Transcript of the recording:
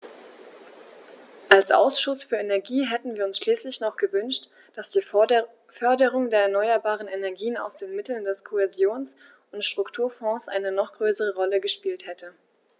Als Ausschuss für Energie hätten wir uns schließlich noch gewünscht, dass die Förderung der erneuerbaren Energien aus den Mitteln des Kohäsions- und Strukturfonds eine noch größere Rolle gespielt hätte.